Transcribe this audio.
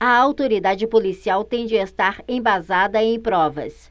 a autoridade policial tem de estar embasada em provas